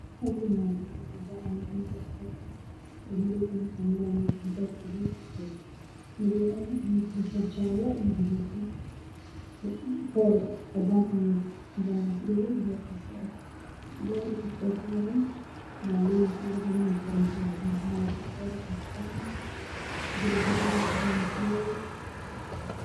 Meeshaan oo meel wadaa waxaa maraya loo bajaaj oo gaduud ah waxaana ka gadaaleeyo guryo dhaadheer